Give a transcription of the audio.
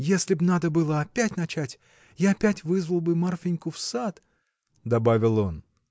— Если б надо было опять начать, я опять вызвал бы Марфиньку в сад. — добавил он.